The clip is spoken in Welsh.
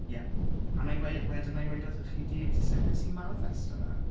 Ie a wna i weu- wedyn wna i weud wrthoch chi i gyd sut wnes i maniffesto fe.